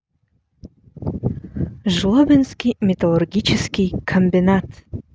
жлобинский металлургический комбинат